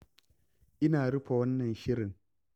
Ina rufe wannan shirin.